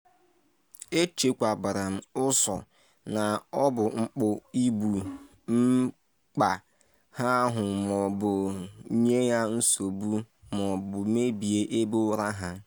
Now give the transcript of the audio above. Echekwabara ụsụ na ọ bụ mpụ igbu, mekpa ha ahụ ma ọ bụ nye ha nsogbu ma ọ bụ mebie ebe ụra ha.